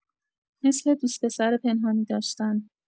مثل دوست‌پسر پنهانی داشتن